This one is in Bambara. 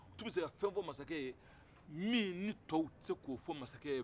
u tun bɛ se ka fɛn fɔ masakɛ ye min ni tɔw tɛ se k'o fɔ masakɛ ye